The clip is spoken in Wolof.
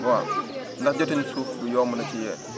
waaw ndax jotin suuf bi yomb na ci yéen